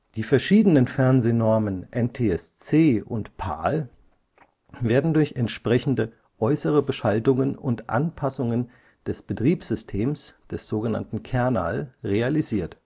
Die verschiedenen Fernsehnormen (NTSC, PAL) werden durch entsprechende äußere Beschaltungen und Anpassungen des Betriebssystems („ Kernal “) realisiert